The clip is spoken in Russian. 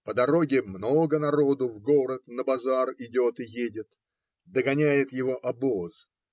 По дороге много народу в город на базар идет и едет. Догоняет его обоз